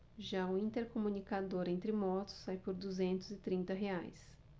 já o intercomunicador entre motos sai por duzentos e trinta reais